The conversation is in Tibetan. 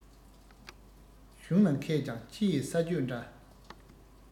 གཞུང ལ མཁས ཀྱང ཕྱི ཡི ས གཅོད འདྲ